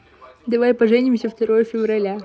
давай поженимся второе февраля